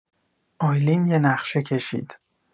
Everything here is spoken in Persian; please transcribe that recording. آیلین یه نقشه کشید.